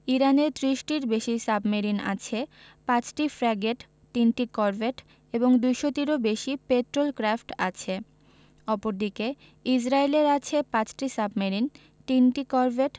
ইরানের ৩০টির বেশি সাবমেরিন আছে ৫টি ফ্র্যাগেট ৩টি করভেট এবং ২০০ টিরও বেশি পেট্রল ক্র্যাফট আছে অপরদিকে ইসরায়েলের আছে ৫টি সাবমেরিন ৩টি করভেট